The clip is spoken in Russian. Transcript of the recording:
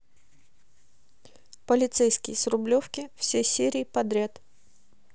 полицейский с рублевки все серии подряд